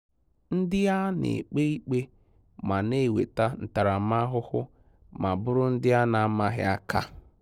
Ndị a na-ekpe ikpe ma na-eweta ntaramahụhụ ma bụrụ ndị a na-amaghị aka.